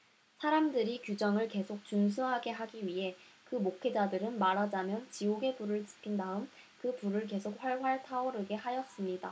사람들이 규정을 계속 준수하게 하기 위해 그 목회자들은 말하자면 지옥의 불을 지핀 다음 그 불을 계속 활활 타오르게 하였습니다